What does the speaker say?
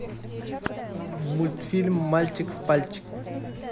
мультфильм мальчик с пальчик